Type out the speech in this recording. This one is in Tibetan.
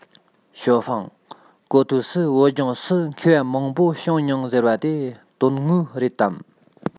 ཞའོ ཧྥུང གོ ཐོས སུ བོད ལྗོངས སུ མཁས པ མང པོ བྱུང མྱོང ཟེར བ དེ དོན དངོས རེད དམ